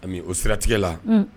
A o siratigɛla